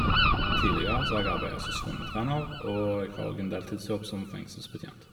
Tidligere så har jeg arbeida som svømmetrener, og jeg har òg en deltidsjobb som fengselsbetjent.